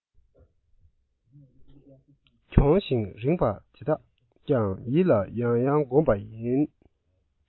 གྱོང ཞིང རེངས བ དེ དག ཀྱང ཡིད ལ ཡང ཡང སྒོམ པ ཡིན